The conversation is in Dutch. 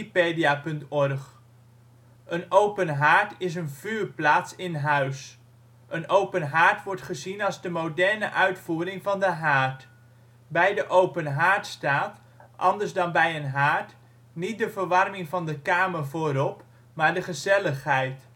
Een open haard is een vuurplaats in huis. Een open haard wordt gezien als de moderne uitvoering van de haard. Bij de open haard staat, anders dan bij een haard, niet de verwarming van de kamer voorop maar de gezelligheid